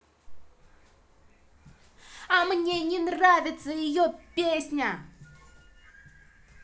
а мне не нравится ее песня